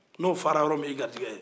n'o fara yɔrɔ min o y'e gɛrɛjɛgɛ ye